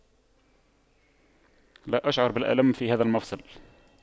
لا أشعر بالألم في هذا المفصل